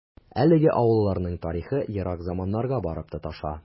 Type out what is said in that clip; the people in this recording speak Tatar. Әлеге авылларның тарихы ерак заманнарга барып тоташа.